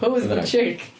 Who was the chick?